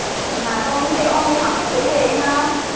mà tôi không hiểu ông đi học cái kiểu gì ha